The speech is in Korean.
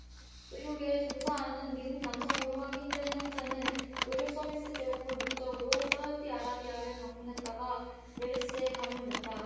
의료계에 종사하는 미국 남성으로 확인된 환자는 의료서비스 제공을 목적으로 사우디아라비아를 방문했다가 메르스에 감염됐다